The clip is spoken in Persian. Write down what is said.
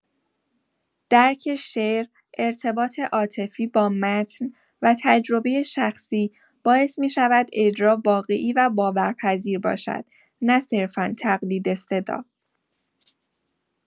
درک شعر، ارتباط عاطفی با متن و تجربه شخصی، باعث می‌شود اجرا واقعی و باورپذیر باشد، نه صرفا تقلید صدا.